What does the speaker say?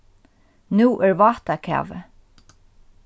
nú er vátakavi